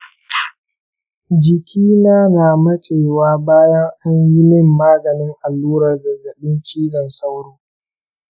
jiki na na mace wa bayan an yi mini maganin allurar zazzabin cizon sauro.